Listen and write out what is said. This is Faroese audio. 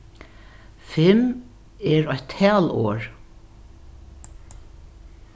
fimm er eitt talorð